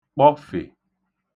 kpọfè